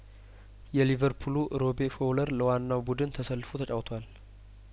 የሊቨርፑሉ ሮቢ ፎውለር ለዋናው ቡድን ተሰልፎ ተጫውቷል